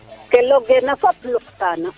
ke logeena fop log taano